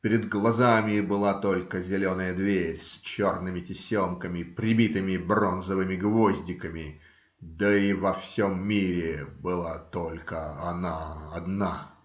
Перед глазами была только зеленая дверь с черными тесемками, прибитыми бронзовыми гвоздиками, да и во всем мире была только одна она.